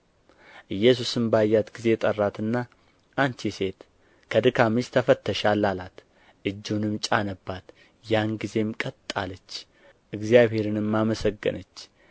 ኢየሱስም ባያት ጊዜ ጠራትና አንቺ ሴት ከድካምሽ ተፈትተሻል አላት እጁንም ጫነባት ያን ጊዜም ቀጥ አለች እግዚአብሔርንም አመሰገነች